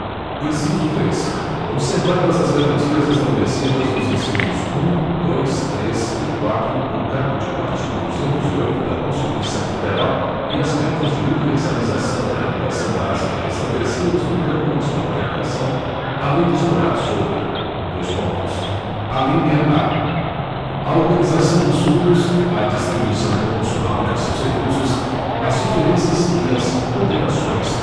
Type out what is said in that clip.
inciso três observadas as garantias estabelecidas nos incisos um dois três e quatro do caput do artigo duzentos e oito da constituição federal e as metas de universalização da educação básica estabelecidas no plano nacional de educação a lei disporá sobre dois pontos alínea a a organização dos fundos a distribuição proporcional de seus recursos as diferenças e as ponderações